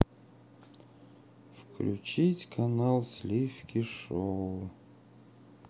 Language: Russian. включить канал сливки шоу